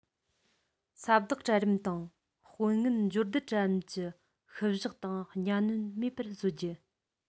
ས བདག གྲལ རིམ དང དཔོན ངན འབྱོར ལྡན གྲལ རིམ གྱི བཤུ གཞོག དང གཉའ གནོན མེད པར བཟོ རྒྱུ